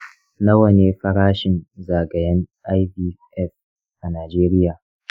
nawa ne farashin zagayen ivf a najeriya?